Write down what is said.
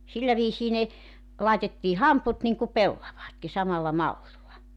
sillä viisiin ne laitettiin hamput niin kuin pellavatkin samalla mallilla